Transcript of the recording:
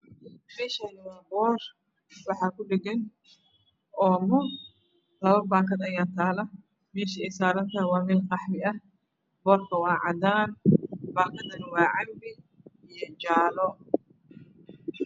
Meshani wa poor waxaa ku dhaagn oomo lapa pakaa ayaa talo mesha ey sarantahy wa meel qaxwi eh poorka wa cadaan paakadana wa acanpi iyo jaalo